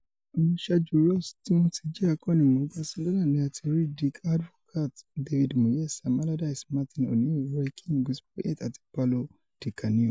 Àwọn àṣáájú Ross tí wọ́n ti jẹ́ akọ́nimọ̀ọ́gbá Sunderland ni a ti rí Dick Advocaat, David Moyes, Sam Allardyce, Martin O'Neill, Roy Keane, Gus Poyet àti Paulo Di Canio.